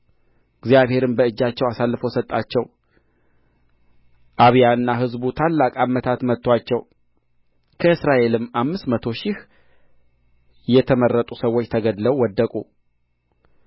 እግዚአብሔርም በእጃቸው አሳልፎ ሰጣቸው አብያና ሕዝቡ ታላቅ አመታት መቱአቸው ከእስራኤልም አምስት መቶ ሺህ የተመረጡ ሰዎች ተገድለው ወደቁ